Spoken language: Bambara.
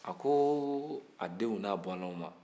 a ko a den n'a bɔnnaw ma